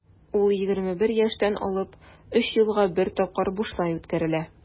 Ул 21 яшьтән алып 3 елга бер тапкыр бушлай үткәрелә.